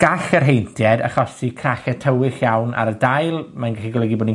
gall yr heintied achosi crachie tywyll iawn ar y dail. Mae'n gallu golygu bod ni'n